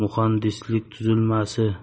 muhandislik tuzilmasi